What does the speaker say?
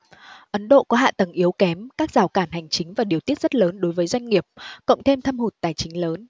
ấn độ có hạ tầng yếu kém các rào cản hành chính và điều tiết rất lớn đối với doanh nghiệp cộng thêm thâm hụt tài chính lớn